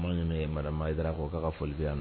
Maa min ye marama ye da ko k'a ka foliya mɛn